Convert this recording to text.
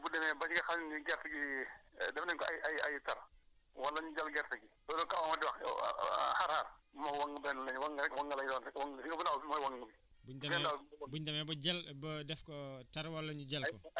jaalaale yi gis nga jaalaal bokk na si yiy yàq gerte lool wante bu demee ba ci xam ne ni gerte gi def nañ ko ay ay ay tar wala énu jal gerte gi loolu kaaw Omar di wax ar-ar moog waŋŋ benn lañ waŋŋ rek waŋŋ la ñuy wax rek waŋŋ gis nga bu ndaw bi mooy waŋŋ